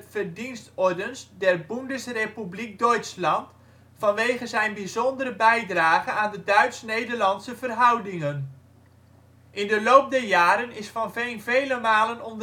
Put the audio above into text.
Verdienstordens der Bundesrepublik Deutschland vanwege zijn bijzondere bijdrage aan de Duits-Nederlandse verhoudingen. In de loop der jaren is Van Veen vele malen